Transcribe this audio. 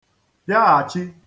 bịaghàchi